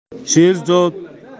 qurumsoqqa ishonsang qo'ldagidan ajraysan